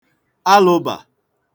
alụ̄bà